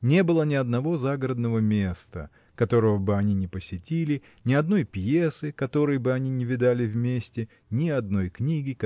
Не было ни одного загородного места которого бы они не посетили ни одной пьесы которой бы они не видали вместе ни одной книги